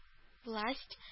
Власть